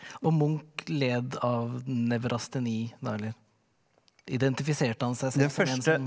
og Munch led av nevrasteni da eller identifiserte han seg som en som?